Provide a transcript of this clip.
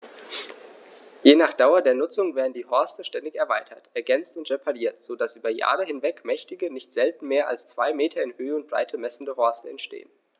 Je nach Dauer der Nutzung werden die Horste ständig erweitert, ergänzt und repariert, so dass über Jahre hinweg mächtige, nicht selten mehr als zwei Meter in Höhe und Breite messende Horste entstehen.